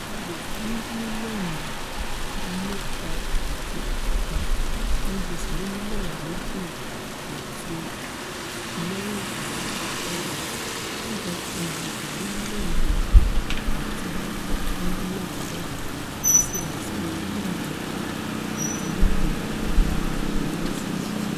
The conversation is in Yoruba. CBS ní mílíọ̀nù 3.1, NBC ní mílíọ̀nù 2.94, MSNBC ní mílíọ̀nù 2.89 tí CNN sì ní mílíọ̀nù 2.52, ni Nielsen sọ.